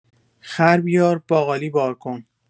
خر بیار باقالی بار کن